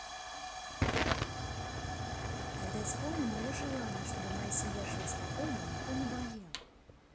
тогда исполни мое желание чтобы моя семья жила спокойно и никто не болел